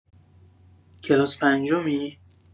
کلاس پنجمی؟